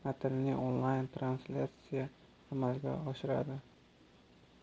matnli onlayn translyatsiyani amalga oshiradi